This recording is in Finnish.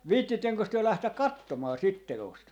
viitsittekös te lähteä katsomaan sitä teosta